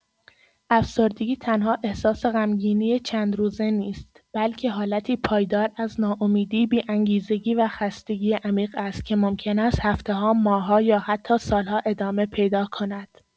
افسردگی تنها احساس غمگینی چندروزه نیست، بلکه حالتی پایدار از ناامیدی، بی‌انگیزگی و خستگی عمیق است که ممکن است هفته‌ها، ماه‌ها یا حتی سال‌ها ادامه پیدا کند.